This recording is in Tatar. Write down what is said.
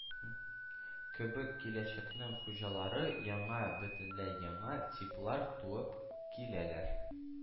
Кебек, киләчәкнең хуҗалары яңа (бөтенләй яңа) типлар туып киләләр